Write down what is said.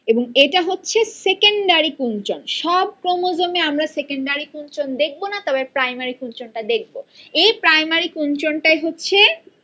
এবং এটা হচ্ছে সেকেন্ডারি কুঞ্চন সব ক্রোমোজোমে আমরা সেকেন্ডারি কুঞ্চন দেখব না তবে প্রাইমারি কুঞ্চন টা দেখব এই প্রাইমারি কুঞ্চন টা হচ্ছে